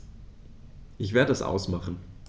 Ich werde es ausmachen